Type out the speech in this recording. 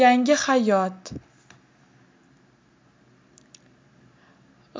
yangi hayot